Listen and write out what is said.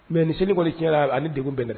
Mɛ ni seli kɔnili tiɲɛyara ani de bɛn dɛ